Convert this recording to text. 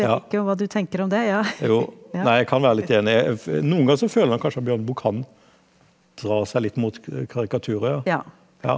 ja jo nei jeg kan være litt enig, noen ganger så føler man kanskje at Bjørneboe kan dra seg litt mot karikaturer ja ja.